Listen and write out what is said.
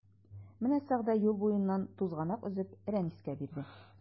Менә Сәгъдә юл буеннан тузганак өзеп Рәнискә бирде.